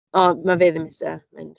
O, ma' fe ddim isie mynd.